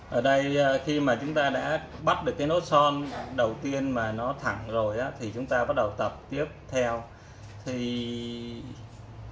khi chúng ta đã bắt được nốt g đầu tiên mà nó đã thẳng rồi thì chúng ta bắt đầu tập những nốt tiếp theo